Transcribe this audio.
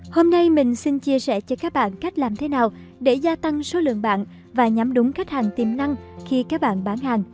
hôm nay mình xin chia sẻ cho các bạn cách làm thế nào để gia tăng số lượng bạn và nhắm đúng khách hàng tiềm năng khi các bạn bán hàng